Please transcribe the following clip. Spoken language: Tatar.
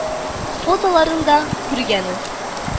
Фотоларын да күргән ул